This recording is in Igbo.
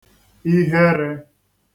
iherē